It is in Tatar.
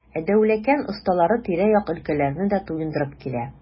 Ә Дәүләкән осталары тирә-як өлкәләрне дә туендырып килә.